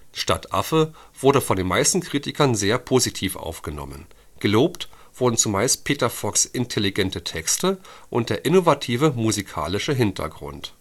Stadtaffe wurde von den meisten Kritikern sehr positiv aufgenommen. Gelobt wurden zumeist Peter Fox ' intelligente Texte und der innovative musikalische Hintergrund